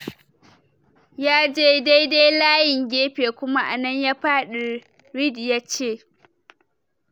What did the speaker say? Ya je daidai layin gefe kuma anan ya fadi”, Reed yace.